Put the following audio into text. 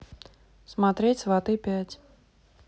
смотреть сваты пять